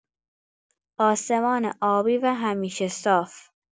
آسمان آبی و همیشه صاف